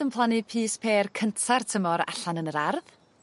...yn plannu pys pêr cynta'r tymor allan yn yr ardd.